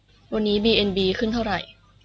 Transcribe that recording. วันนี้บีเอ็นบีขึ้นเท่าไหร่